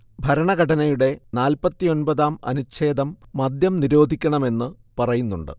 ഭരണഘടനയുടെ നാല്‍പ്പത്തിയൊന്പതാം അനുഛേദം മദ്യം നിരോധിക്കണമെന്ന് പറയുന്നുണ്ട്